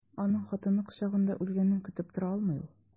Аның хатыны кочагында үлгәнен көтеп тора алмый ул.